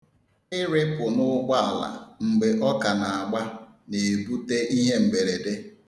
Irịpụ n'ụgbọala mgbe ọ ka na-agba na-ebute ihe mberede.